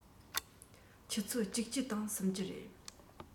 ཆུ ཚོད བཅུ གཅིག སྟེང གཟིམ གྱི རེད